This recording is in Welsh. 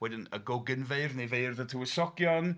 Wedyn y Gogynfeirdd, neu Feirdd y Tywysogion.